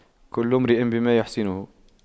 كل امرئ بما يحسنه